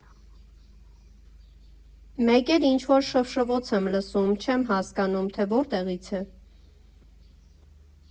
Մեկ էլ ինչ֊որ շվշվոց եմ լսում, չեմ հասկանում, թե որտեղից է։